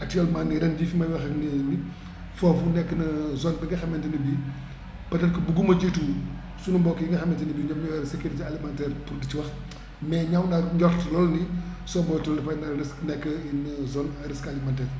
actuellement nii ren jii fii may waxee nii nii foofu nekk na zone bi nga xamante ne bii peut être que bëgguma jiitu sunu mbokk yi nga xamante ne bii ñoom ñoo yore sécurité alimentaire bi pour di ci wax mais ñaaw naa njort lool ni soo moytuwul dafay ne risque nekk une zone à risque alimentaire